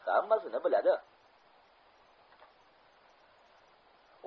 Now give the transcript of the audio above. hammasini biladi